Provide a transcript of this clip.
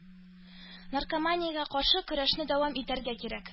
“наркоманиягә каршы көрәшне дәвам итәргә кирәк”